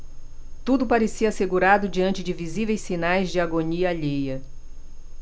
tudo parecia assegurado diante de visíveis sinais de agonia alheia